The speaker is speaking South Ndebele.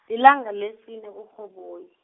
lilanga lesine kuRhoboyi.